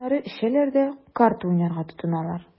Аннары эчәләр дә карта уйнарга тотыналар.